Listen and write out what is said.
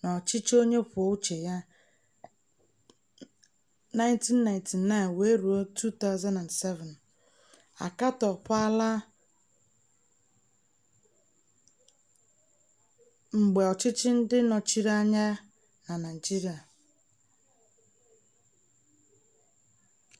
n'ọchịchị onye kwuo uche ya (1999-2007), akatọọla kwa mgbe ọchịchị ndị nọchiri anya na Naịjirịa.